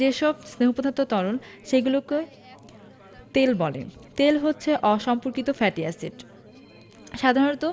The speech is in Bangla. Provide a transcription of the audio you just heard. যেসব স্নেহ পদার্থ তরল সেগুলোকে তেল বলে তেল হচ্ছে অসম্পর্কিত ফ্যাটি এসিড সাধারণত